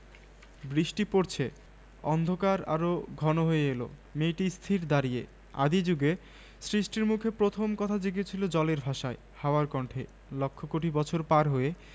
কত বড় কাল কত বড় জগত পৃথিবীতে কত জুগের কত জীবলীলা সেই সুদূর সেই বিরাট আজ এই দুরন্ত মেয়েটির মুখের দিকে তাকাল মেঘের ছায়ায় বৃষ্টির কলশব্দে